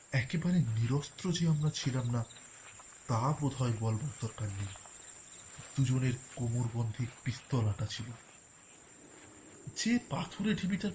একেবারে নিরস্ত্র যে আমরা ছিলাম না তা বোধহয় বলবার দরকার নেই দুজনের কোমরবন্ধে পিস্তল আটা ছিল যে পাথরের ঢিবিটার